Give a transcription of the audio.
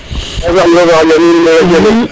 yasam rga xaƴa nuun men